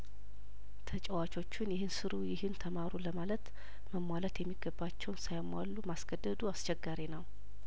ተጨዋቾቹን ይህን ስሩ ይህን ተማሩ ለማ ለት መሟላት የሚገባቸው ሳይሟሉ ማስገደዱ አስቸጋሪ ነው